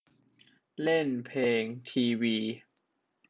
เล่นเพลงทีวี